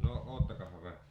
no odottakaahan vähän